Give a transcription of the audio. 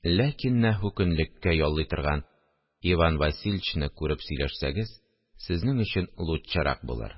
Ләкиннәһү көнлеккә яллый торган Иван Василичны күреп сөйләшсәгез, сезнең өчен лутчырак булыр